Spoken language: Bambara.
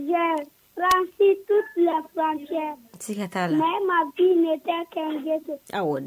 J'ai franchis toutes les frontières. Mais ma était qu'un jeu de